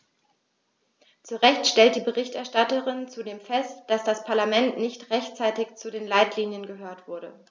Zu Recht stellt die Berichterstatterin zudem fest, dass das Parlament nicht rechtzeitig zu den Leitlinien gehört wurde.